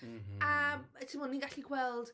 M-hm... A timod, ni'n gallu gweld...